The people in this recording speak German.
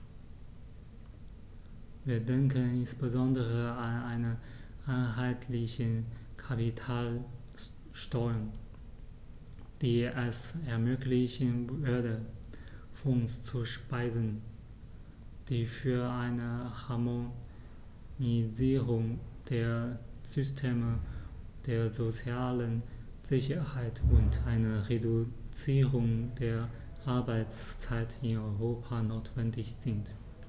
Wir denken insbesondere an eine einheitliche Kapitalsteuer, die es ermöglichen würde, Fonds zu speisen, die für eine Harmonisierung der Systeme der sozialen Sicherheit und eine Reduzierung der Arbeitszeit in Europa notwendig sind.